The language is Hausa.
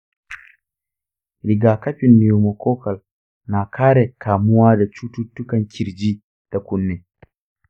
rigakafin pneumococcal na kare kamuwa da cututtukan kirji da kunne.